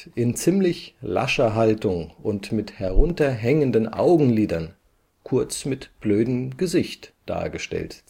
in ziemlich lascher Haltung und mit herunterhängenden Augenlidern, kurz mit blödem Gesicht “dargestellt